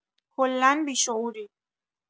کلا بیشعوری